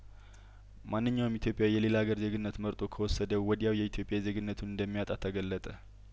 ማንኛውም ኢትዮጵያዊ የሌላ አገር ዜግነት መርጦ ከወሰደ ወዲያው የኢትዮጵያ ዜግነቱን እንደሚያጣ ተገለጠ